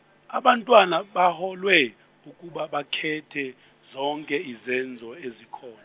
abantwana baholwe ukuba bakhethe zonke izenzo ezikhon-.